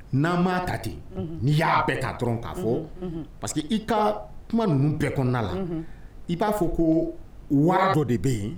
N'an' ta ten n'i'a bɛɛ ka dɔrɔn k kaa fɔ parce que i ka kuma ninnu bɛɛ kɔnɔna la i b'a fɔ ko wara dɔ de bɛ yen